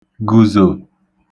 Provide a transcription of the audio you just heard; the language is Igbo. gùzò